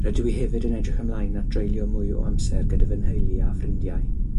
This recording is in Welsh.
Rydw i hefyd yn edrych ymlaen at dreulio mwy o amser gyda fy nheulu a ffrindiau.